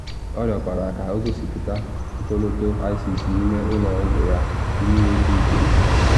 Ọ rịọkwara ka o gosipụta ọkọlọtọ ISIS n’ime ụlọ ọgwụ ya, ndị uwe ojii kwuru.